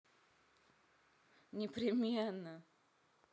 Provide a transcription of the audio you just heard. непременно